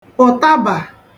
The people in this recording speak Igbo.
ụ̀tabà